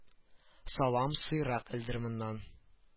Салам сыйрак элдер моннан